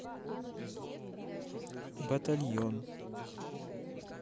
батальон